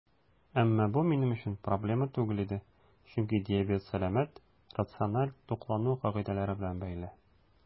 Әмма бу минем өчен проблема түгел иде, чөнки диабет сәламәт, рациональ туклану кагыйдәләре белән бәйле.